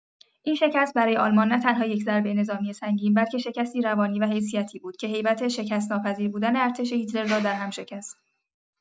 این شکست برای آلمان نه‌تنها یک ضربه نظامی سنگین، بلکه شکستی روانی و حیثیتی بود که هیبت شکست‌ناپذیر بودن ارتش هیتلر را درهم شکست.